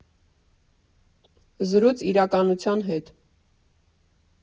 Զրույց իրականության հետ։